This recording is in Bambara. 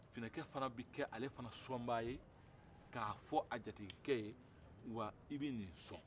fineke fɛnɛ bɛ kɛ ale fɛnɛ sɔnbaa ye k'a fɔ a jatigikɛ ye wa i bɛ nin sɔn